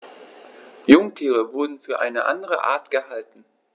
Jungtiere wurden für eine andere Art gehalten.